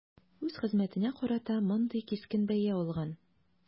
Үз хезмәтенә карата мондый кискен бәя алган.